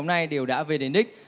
này đều đã về đến đích